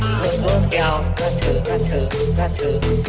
keo các thứ các thứ